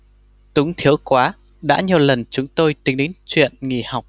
túng thiếu quá đã nhiều lần chúng tôi tính đến chuyện nghỉ học